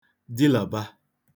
dilàba